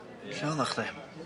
Lle oddach chdi?